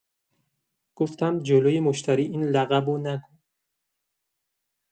گفتم جلوی مشتری این لقبو نگو.